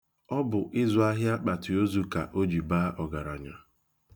Ọ bụ ịzụ ahịa akpatịozu ka o ji baa ogaranya.